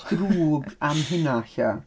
Drwg am hynna ella...